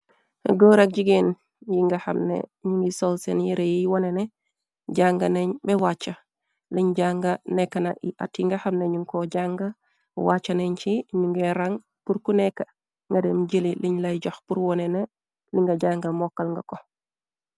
Góor ak jigeen yi nga hamnè ñu ngi sol seen yire yi wone ne jànga nañ be wàcca liñ jànga nekkna at yi nga ham nañu ko jànga wàcca nañ ci ñu nga ràng purku nekka ngadem jëli liñ lay joh pur wone ne li nga jànga mokkal nga ko.